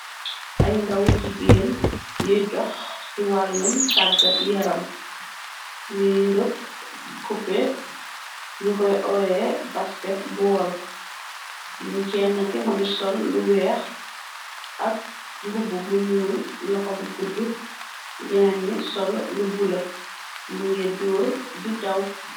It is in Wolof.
Ay ndaw yu jigeen yi dox si walam tagat yaram, nyingi gam kuppe, nyu koy oyee basketbal, kenen ki mingi sol lu weex, ak mbubu bu nyuul loxo bu guddu, nyeneen nyi, sol lu bula, mingi door di daw.